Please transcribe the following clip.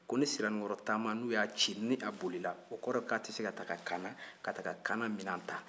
ko ni siranikɔrɔ tanba n'u y'a ci ni a bolila o kɔrɔ ye ko a tɛ se ka taa kaana ka taa kaana minɛn ta